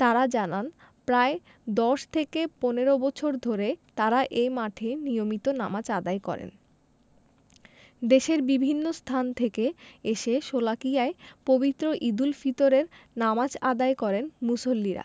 তাঁরা জানান প্রায় ১০ থেকে ১৫ বছর ধরে তাঁরা এ মাঠে নিয়মিত নামাজ আদায় করেন দেশের বিভিন্ন স্থান থেকে এসে শোলাকিয়ায় পবিত্র ঈদুল ফিতরের নামাজ আদায় করেন মুসল্লিরা